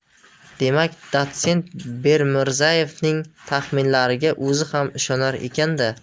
demak dotsent bekmirzaevning taxminlariga o'zi ham ishonar ekan da